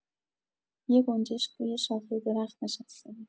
یه گنجشک روی شاخه درخت نشسته بود.